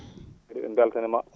kadi ?e mbeltanomaa